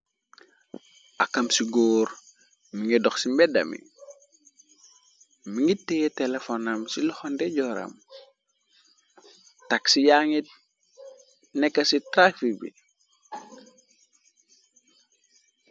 Ak am ci góor mi ngi dox ci mbéddami mi ngi tée telefonam ci loho ndeyjooram taxci yaa ngi nekka ci trafik bi.